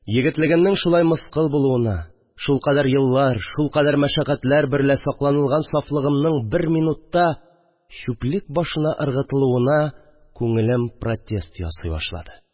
Егетлегемнең шулай мыскыл булуына, шулкадәр еллар, шулкадәр мәшәкатьләр берлә сакланылган сафлыгымның бер минутта чүплек башына ыргытылуына күңелем протест ясый башлады